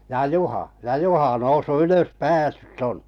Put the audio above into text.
ja Juha ja Juha noussut ylös päässyt on